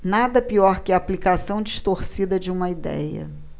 nada pior que a aplicação distorcida de uma idéia